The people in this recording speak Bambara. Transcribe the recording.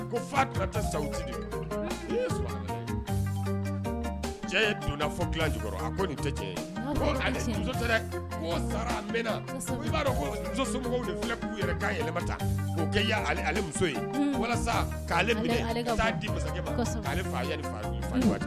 Cɛ i b'a k' yɛlɛma muso walasa